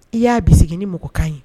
I y'a bɛ sigi ni mɔgɔkan ye